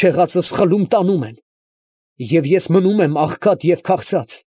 Չեղածս խլում տանում են, և ես մնում եմ աղքատ ու քաղցած։